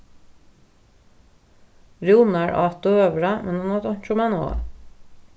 rúnar át døgurða men hann át einki omaná